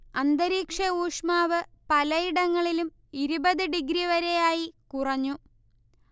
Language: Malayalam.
അന്തരീക്ഷഊഷ്മാവ് പലയിടങ്ങളിലും ഇരുപത് ഡിഗ്രി വരെയായി കുറഞ്ഞു